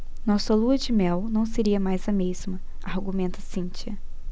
nossa lua-de-mel não seria mais a mesma argumenta cíntia